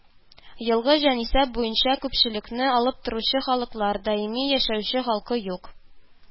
Елгы җанисәп буенча күпчелекне алып торучы халыклар: даими яшәүче халкы юк